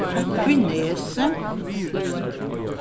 í nesi